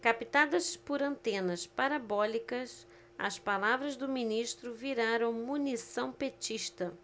captadas por antenas parabólicas as palavras do ministro viraram munição petista